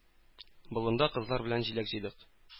Болында кызлар белән җиләк җыйдык.